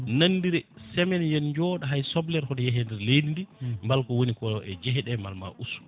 nandire semaine yen jooɗo hay soblere hoto yeehe e nder leydi ndi mbal kowoni ko e jeeheɗe mbal ma usto